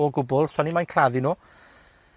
O gwbl.S'o ni moyn claddu nw.